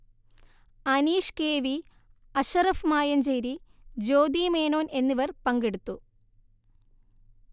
Aneesh K V, Ashraf Mayancheri, Jyothi മേനോൻഎന്നിവർ പങ്കെടുത്തു